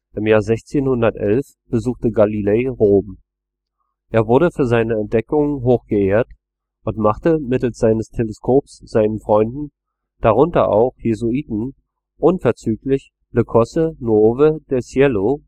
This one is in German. Im Jahr 1611 besuchte Galilei Rom. Er wurde für seine Entdeckungen hoch geehrt und machte mittels seines Teleskops seinen Freunden – darunter auch Jesuiten – unverzüglich „ le cose nuove del cielo